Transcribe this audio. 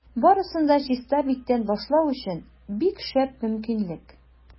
Барысын да чиста биттән башлау өчен бик шәп мөмкинлек.